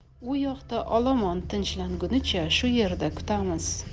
u yoqda olomon tinchlangunicha shu yerda kutamiz